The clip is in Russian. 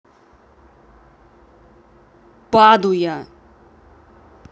падуя